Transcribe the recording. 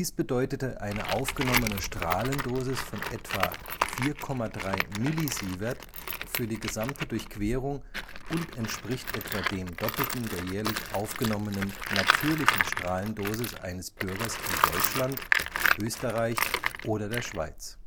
bedeutete eine aufgenommene Strahlendosis von etwa 4,3 Millisievert für die gesamte Durchquerung und entspricht etwa dem doppelten der jährlichen aufgenommenen natürlichen Strahlendosis eines Bürgers in Deutschland, Österreich oder der Schweiz